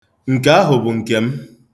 Nke ahụ bụ nke m.